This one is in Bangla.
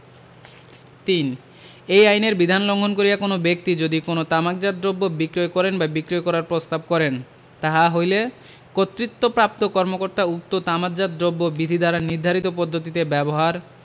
৩ এই আইনের বিধান লংঘন করিয়া কোন ব্যক্তি যদি কোন তামাকজাত দ্রব্য বিক্রয় করেন বা বিক্রয় করার প্রস্তাব করেন তাহা হইলে কর্তৃত্বপ্রাপ্ত কর্মকর্তা উক্ত তামাকজাত দ্রব্য বিধি দ্বারা নির্ধারিত পদ্ধতিতে ব্যবহার